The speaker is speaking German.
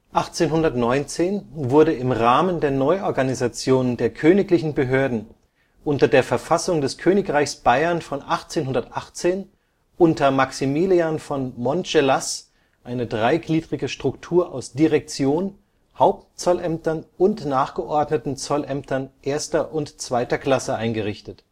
1819 wurde im Rahmen der Neuorganisation der königlichen Behörden unter der Verfassung des Königreichs Bayern von 1818 unter Maximilian von Montgelas eine dreigliedrige Struktur aus Direktion, Hauptzollämtern und nachgeordneten Zollämtern I. und II. Klasse eingerichtet